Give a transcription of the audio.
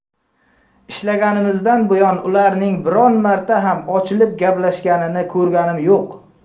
ishlaganimizdan buyon ularning biron marta ham ochilib gaplashganini ko'rganim yo'q